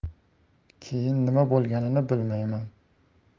keyin nima bo'lganini bilmayman